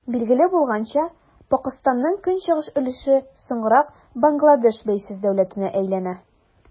Билгеле булганча, Пакыстанның көнчыгыш өлеше соңрак Бангладеш бәйсез дәүләтенә әйләнә.